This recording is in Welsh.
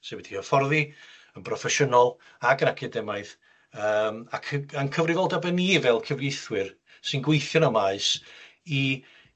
sefydlu hyfforddi yn broffesiynol ag yn academaidd, yym ac y- 'yn cyfrifoldeba ni fel cyfieithwyr sy'n gweithio yn y maes i